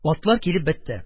Атлар килеп бетте.